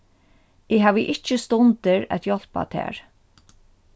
eg havi ikki stundir at hjálpa tær